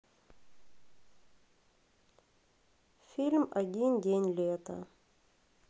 фильм один день лета